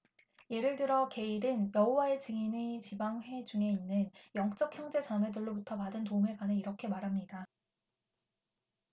예를 들어 게일은 여호와의 증인의 지방 회중에 있는 영적 형제 자매들로부터 받은 도움에 관해 이렇게 말합니다